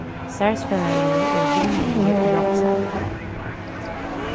starvsfelagarnir eru vinarligir og hjálpsamir